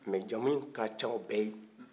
mɛ jamuyin ka can o bɛ ye